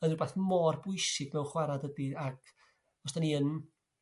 yn r'wbath mor bwysig mewn chwara' yndydi ag os 'dan ni yn...